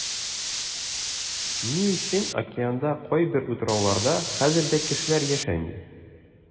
Ни өчен океанда кайбер утрауларда хәзер дә кешеләр яшәми?